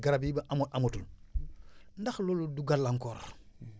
garab yi amoon amatul ndax du gàllankoor